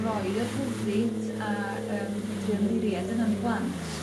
rhoi yr rhyddid a yym medru ymddiried yn 'yn plant